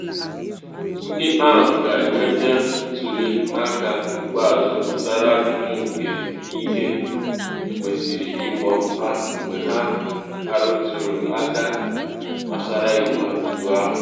Ndị AM ga-enwete ntuli aka ikpeazụ gbasara ajụjụ nke ihe ekwesịrị ịkpọ ha mgbe ha arụtụrụ aka gbasara iwu ahụ.